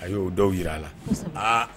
A y'o dɔw jira a la